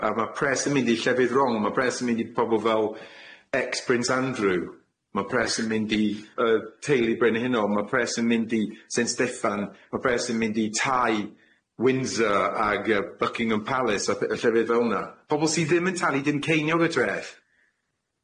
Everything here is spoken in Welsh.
A- a ma' pres yn mynd i llefydd wrong ma' pres yn mynd i pobol fel ex Prince Andrew ma' pres yn mynd i yy teulu brenhino ma' pres yn mynd i Saint Steffan ma' pres yn mynd i thai Windsor ag yy Buckingham Palace a p- yy llefydd felna, pobol sy ddim yn talu dim ceiniog y dreth.